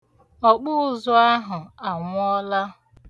Ọkpụụzụ ahụ anwụọla.